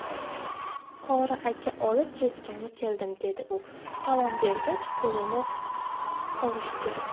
qori aka olib ketgani keldim dedi u salom bergach qo'lini qovushtirib